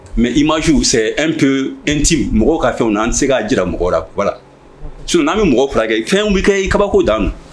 Mɛ i majywu se e tɛ eti mɔgɔ ka fɛn na se' jira mɔgɔ la wala sonan bɛ mɔgɔ furakɛ kɛ fɛn bɛ kɛ i kabako dan